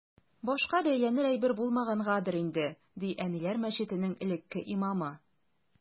Башка бәйләнер әйбер булмагангадыр инде, ди “Әниләр” мәчетенең элекке имамы.